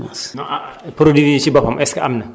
ci non ci département bii amul producteur de semence